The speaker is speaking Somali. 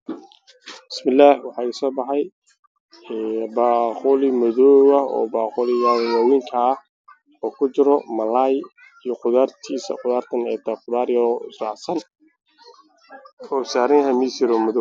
Waa saxan waxaa ku jira khudaar ambeega khudaar cagaaran oo karsan